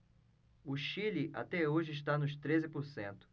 o chile até hoje está nos treze por cento